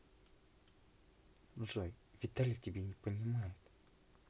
джой виталий тебя не понимает